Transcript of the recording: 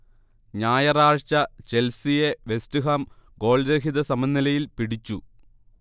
ഞായറാഴ്ച ചെൽസിയെ വെസ്റ്റ്ഹാം ഗോൾരഹിത സമനിലയിൽ പിടിച്ചു